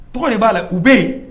Tɔgɔ de b'a la u bɛ yen